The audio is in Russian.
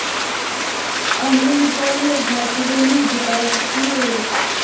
оно не полезно от него люди толстеют